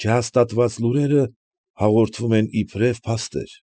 Չհաստատված լուրերը հաղորդվում են իբրև փաստեր։